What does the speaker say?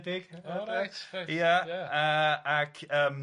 Reit ia ia ac yym,